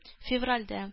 Февральдә